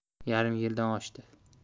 yarim yildan oshdi